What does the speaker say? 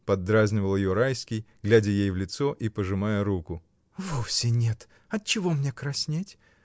— поддразнивал ее Райский, глядя ей в лицо и пожимая руку. — Вовсе нет! Отчего мне краснеть?